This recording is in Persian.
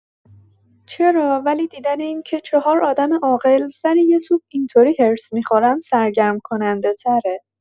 چرا، ولی دیدن اینکه چهار آدم عاقل سر یه توپ این‌طوری حرص می‌خورن سرگرم‌کننده‌تره.